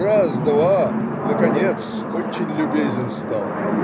раз, два, наконец, очень любезен стал.